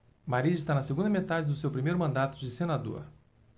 mariz está na segunda metade do seu primeiro mandato de senador